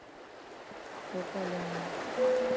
по полям